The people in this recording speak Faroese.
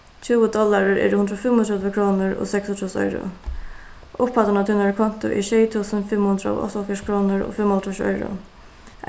tjúgu dollarar eru hundrað og fimmogtretivu krónur og seksogtrýss oyru upphæddin á tínari konto er sjey túsund fimm hundrað og áttaoghálvfjerðs krónur og fimmoghálvtrýss oyru